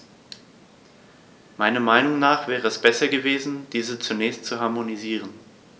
Meiner Meinung nach wäre es besser gewesen, diese zunächst zu harmonisieren.